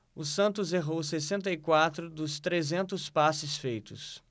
o santos errou sessenta e quatro dos trezentos passes feitos